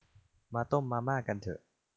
มาต้มมาม่ากันเถอะ